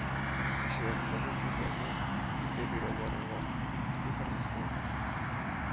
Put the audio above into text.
Эчләрендәге шул балны безгә бирәләр алар,- ди кырмыска